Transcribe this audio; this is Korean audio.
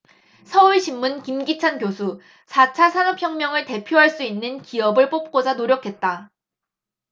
서울신문 김기찬 교수 사 차 산업혁명을 대표할 수 있는 기업을 뽑고자 노력했다